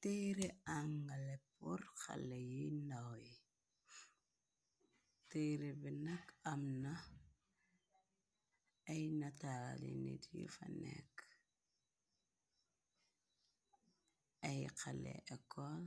Teere angale por xale yi ndaw yi, teere bi nak am na ay natali nit yu fa nekk, ay xale ekol,